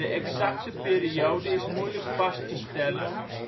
exacte periode is moeilijk vast te stellen